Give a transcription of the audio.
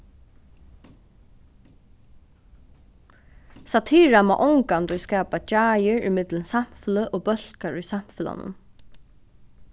satira má ongantíð skapa gjáir ímillum samfeløg og bólkar í samfelagnum